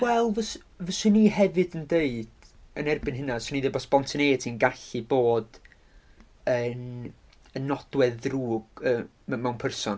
Wel, fys- fyswn i hefyd yn deud yn erbyn hynna, 'swn i'n dweud bod spontaneity yn gallu bod yn yn nodwedd ddrwg yy m- mewn person.